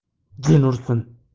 jin ursin